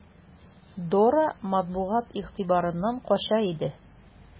Дора матбугат игътибарыннан кача иде.